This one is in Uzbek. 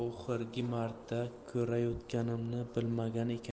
marta ko'rayotganimni bilmagan ekanman